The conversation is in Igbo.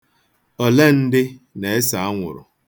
Olee ndị na-ese anwụrụ?